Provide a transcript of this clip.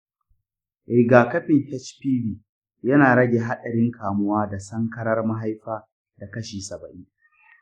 rigakafin hpv yana rage haɗarin kamuwa da sankarar mahaifa da kashi saba'in.